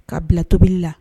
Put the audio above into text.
K ka bila tobili la